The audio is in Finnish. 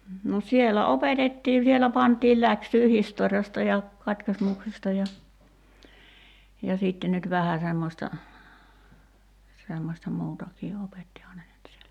no siellä opetettiin siellä pantiin läksyä historiasta ja katkismuksesta ja ja sitten nyt vähän semmoista semmoista muutakin opettihan ne nyt siellä